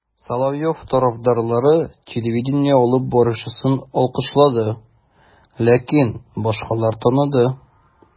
Соловьев тарафдарлары телевидение алып баручысын алкышлады, ләкин башкалар таныды: